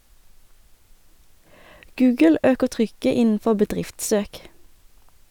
Google øker trykket innenfor bedriftssøk.